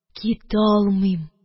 Китә алмыйм